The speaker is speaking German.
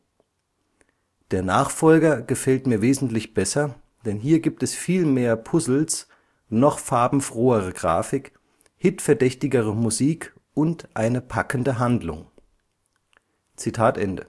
Der Nachfolger gefällt mir wesentlich besser, denn hier gibt es viel mehr Puzzles, noch farbenfrohere Grafik, hitverdächtigere Musik und eine packende Handlung. “Eher